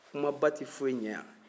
kumaba tɛ foyi ɲɛ yan